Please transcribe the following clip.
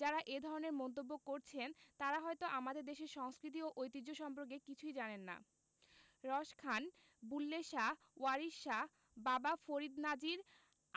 যাঁরা এ ধরনের মন্তব্য করছেন তাঁরা হয়তো আমাদের দেশের সংস্কৃতি এবং ঐতিহ্য সম্পর্কে কিছুই জানেন না রস খান বুল্লে শাহ ওয়ারিশ শাহ বাবা ফরিদ নজির